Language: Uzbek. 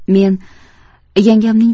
men yangamning